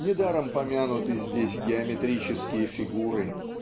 Недаром помянуты здесь геометрические фигуры